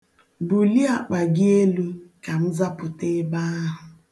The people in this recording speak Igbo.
Bulie akpa gị elu ka m zapụta ebe ahụ.